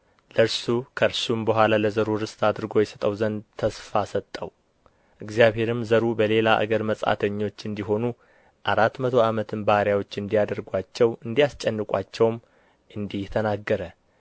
ለእርሱ ከእርሱም በኋላ ለዘሩ ርስት አድርጎ ይሰጠው ዘንድ ተስፋ ሰጠው እግዚአብሔርም ዘሩ በሌላ አገር መጻተኞች እንዲሆኑ አራት መቶ ዓመትም ባሪያዎች እንዲያደርጉአቸው እንዲያስጨንቁአቸውም እንዲህ ተናገረ